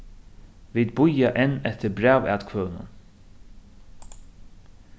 vit bíða enn eftir brævatkvøðunum